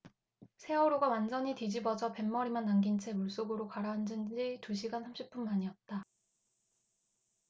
세월호가 완전히 뒤집혀져 뱃머리만 남긴 채 물속으로 가라앉은 지 두 시간 삼십 분 만이었다